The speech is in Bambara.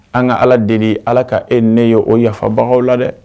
An ka ala deli ala ka e ne ye o yafabagaw la dɛ